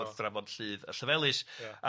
wrth drafod Lludd a Llefelys... Ia.